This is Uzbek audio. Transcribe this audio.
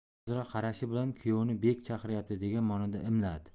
manzura qarashi bilan kuyovni bek chaqiryapti degan ma'noda imladi